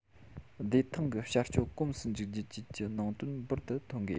བདེ ཐང གི བྱ སྤྱོད གོམས སུ འཇུག རྒྱུ བཅས ཀྱི ནང དོན འབུར དུ ཐོན དགོས